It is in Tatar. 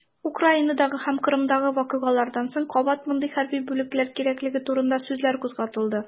Украинадагы һәм Кырымдагы вакыйгалардан соң кабат мондый хәрби бүлекләр кирәклеге турында сүзләр кузгалды.